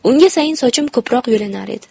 unga sayin sochim ko'proq yulinar edi